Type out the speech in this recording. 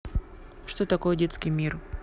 что такое детский мир